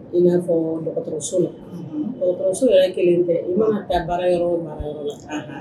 Ina fɔɔ dɔgɔtɔrɔso la unhun dɔgɔtɔrɔso la yɛrɛ kelen tɛ i mana taa baara yɔrɔ o baara yɔrɔ la anhan